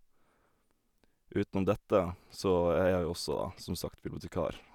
Utenom dette så er jeg jo også, da, som sagt, bibliotekar.